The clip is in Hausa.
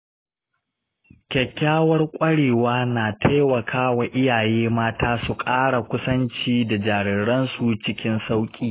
kyakkyawar kwarewa na taimaka wa iyaye mata su ƙara kusanci da jariransu cikin sauƙi.